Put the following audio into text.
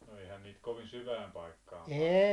no eihän niitä kovin syvään paikkaan pantu